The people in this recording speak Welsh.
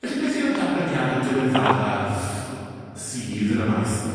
Felly, beth yw'r datblygiade diweddaraf sydd yn y maes yma?